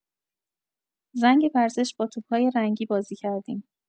زنگ ورزش با توپ‌های رنگی بازی کردیم.